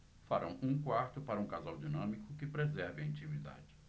farão um quarto para um casal dinâmico que preserva a intimidade